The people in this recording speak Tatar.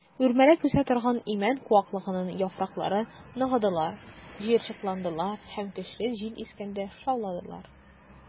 Үрмәләп үсә торган имән куаклыгының яфраклары ныгыдылар, җыерчыкландылар һәм көчле җил искәндә шауладылар.